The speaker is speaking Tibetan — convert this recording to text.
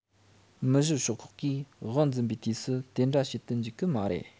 མི བཞི ཤོག ཁག གིས དབང འཛིན པའི དུས སུ དེ འདྲ བྱེད དུ འཇུག གི མ རེད